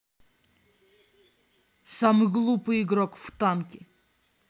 самый глупый игрок в танки